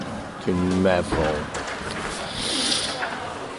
dwi'n meddwl